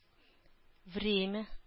Время